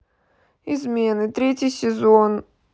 измены третий сезон